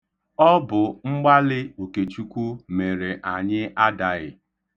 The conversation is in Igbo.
Ọ bụ mgbalị Okechukwu mere anyị adaghị.